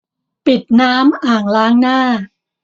ปิดน้ำอ่างล้างหน้า